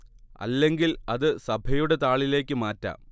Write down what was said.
അല്ലെങ്കിൽ അത് സഭയുടെ താളിലേക്ക് മാറ്റാം